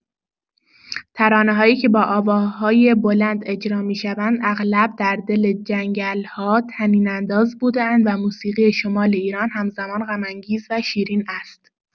ترانه‌هایی که با آواهای بلند اجرا می‌شوند اغلب در دل جنگل‌ها طنین‌انداز بوده‌اند و موسیقی شمال ایران همزمان غم‌انگیز و شیرین است.